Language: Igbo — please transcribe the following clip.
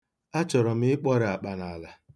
Achọrọ m ịkpọre akpa a n'ala